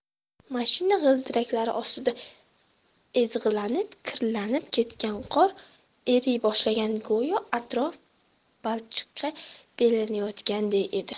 mashina g'ildiraklari ostida ezg'ilanib kirlanib ketgan qor eriy boshlagan go'yo atrof balchiqqa belanayotganday edi